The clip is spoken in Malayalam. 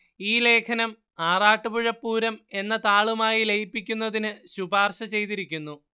ഈ ലേഖനം ആറാട്ടുപുഴ പൂരം എന്ന താളുമായി ലയിപ്പിക്കുന്നതിന് ശുപാര്‍ശ ചെയ്തിരിക്കുന്നു